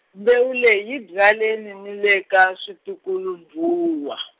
mbewu leyi yi byaleni ni le ka switukulu-ndzhuwa.